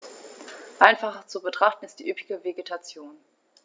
Einfacher zu betrachten ist die üppige Vegetation.